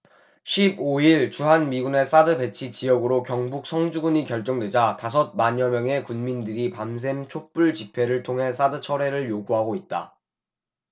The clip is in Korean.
십 오 일 주한미군의 사드 배치 지역으로 경북 성주군으로 결정되자 다섯 만여명의 군민들이 밤샘 촛불 집회를 통해 사드 철회를 요구하고 있다